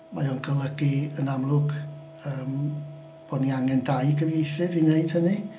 Mae o'n golygu yn amlwg yym bod ni angen dau gyfieithydd i wneud hynny.